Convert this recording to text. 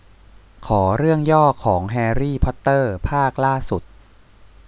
ขอเรื่องย่อของแฮรี่พอตเตอร์ภาคล่าสุด